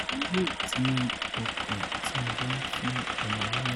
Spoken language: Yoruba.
Emi yoo ti ni ọkan ti mo ba n fun ọmọ lọmu.